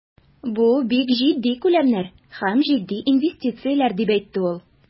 Бу бик җитди күләмнәр һәм җитди инвестицияләр, дип әйтте ул.